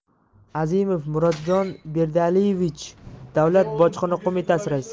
azimov murotjon berdialiyevich davlat bojxona qo'mitasi raisi